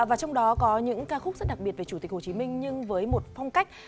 và trong đó có những ca khúc rất đặc biệt về chủ tịch hồ chí minh nhưng với một phong cách